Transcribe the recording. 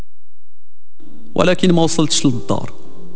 ولك الموصل سلطان